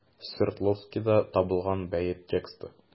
Свердловскида табылган бәет тексты.